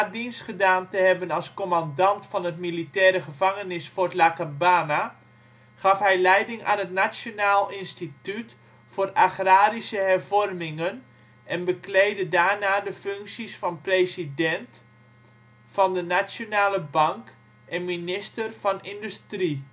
dienst gedaan te hebben als commandant van het militaire gevangenisfort " La Cabana ", gaf hij leiding aan het Nationale Instituut voor Agrarische Hervormingen en bekleedde daarna de functies van President van de Nationale Bank en Minister van Industrie